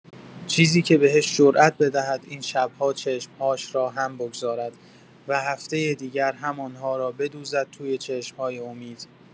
چیزی که بهش جرئت بدهد این شب‌ها چشم‌هاش را هم بگذارد و هفتۀ دیگر همان‌ها را بدوزد توی چشم‌های امید.